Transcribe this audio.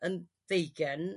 yn ddeugen